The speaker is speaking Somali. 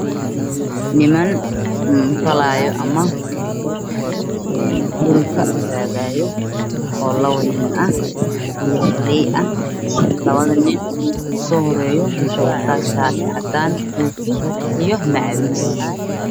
Waa laba nin oo beer fareyso midna uu wato shaati cadaan midna watashati cagaar ayey hayaan